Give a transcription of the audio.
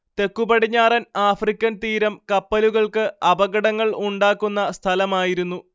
തെക്കുപടിഞ്ഞാറൻ ആഫ്രിക്കൻ തീരം കപ്പലുകൾക്ക് അപകടങ്ങൾ ഉണ്ടാക്കുന്ന സ്ഥലമായിരുന്നു